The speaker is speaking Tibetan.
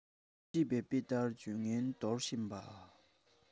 ཅེས པའི དཔེ ལྟར སྤྱོད ངན འདོར ཤེས པ